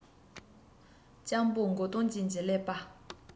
སྤྱང པོ མགོ སྟོང ཅན གྱི ཀླད པ